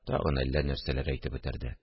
Тагын әллә нәрсәләр әйтеп бетерде